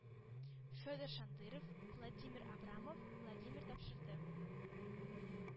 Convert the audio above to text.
Федор Шандыров, Владимир Абрамов, Владимир тапшырды.